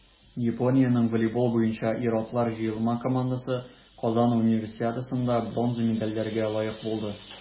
Япониянең волейбол буенча ир-атлар җыелма командасы Казан Универсиадасында бронза медальләргә лаек булды.